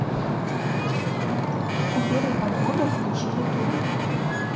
убери погоду включи ютуб